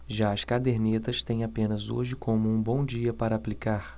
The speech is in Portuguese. já as cadernetas têm apenas hoje como um bom dia para aplicar